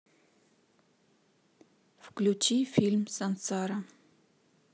включи фильм сансара